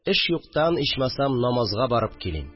Эш юктан, ичмасам, намазга барып килим